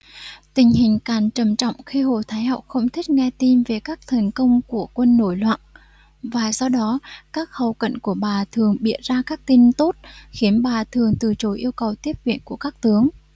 tình hình càng trầm trọng khi hồ thái hậu không thích nghe tin về các thành công của quân nổi loạn và do đó các hầu cận của bà thường bịa ra các tin tốt khiến bà thường từ chối yêu cầu tiếp viện của các tướng